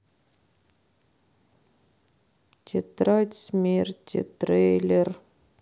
тетрадь смерти трейлер